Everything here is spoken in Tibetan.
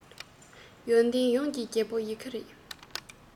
ཡོན ཏན ཡོངས ཀྱི རྒྱལ པོ ཡི གེ རེད